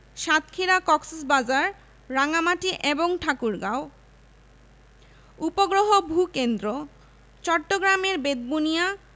সাতক্ষীরা কক্সবাজার রাঙ্গামাটি এবং ঠাকুরগাঁও উপগ্রহ ভূ কেন্দ্রঃ চট্টগ্রামের বেতবুনিয়া